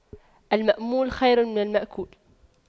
المأمول خير من المأكول